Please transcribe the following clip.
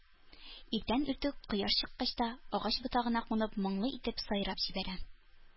Иртән-иртүк, кояш чыккач та, агач ботагына кунып моңлы итеп сайрап җибәрә